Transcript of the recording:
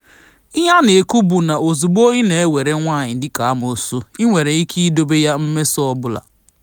Ihe a na-ekwu bụ na ozugbo ị na-ewere nwaanyị dịka amoosu, ị nwere ike idobe ya mmeso ọ bụla.